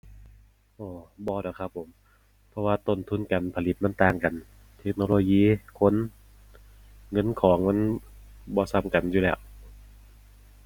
บ่ดอกครับผม เพราะว่าต้นทุนการผลิตมันต่างกัน เทคโนโลยี คน เงิน ของ มันบ่ส่ำกันอยู่แล้ว